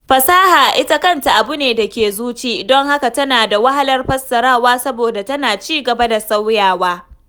Fasaha ita kanta abu ne da ke zuci don haka tana da wahalar fassarawa saboda tana ci gaba da sauyawa.